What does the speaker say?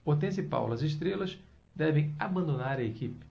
hortência e paula as estrelas devem abandonar a equipe